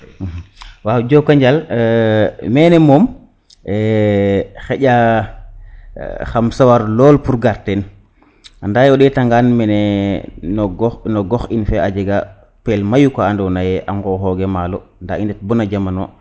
wa jokonjal mene moom xaƴa xam sawar lool pour gar ten anda ye o ndeta ngan mene no gox in fe a jega pel mayu ka ando naye a ngoxoge maalo nda i ndet bono jamano